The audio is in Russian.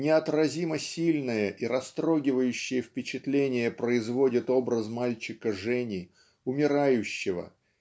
неотразимо сильное и растрогивающее впечатление производит образ мальчика Жени умирающего